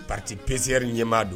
Pati PCR ɲɛmaa don